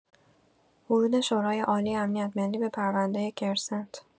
ورود شورای‌عالی امنیت ملی به پرونده کرسنت